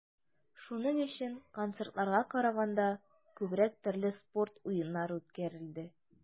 Шуның өчен, концертларга караганда, күбрәк төрле спорт уеннары үткәрелде.